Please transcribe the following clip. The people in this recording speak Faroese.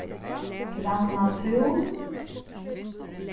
grannatún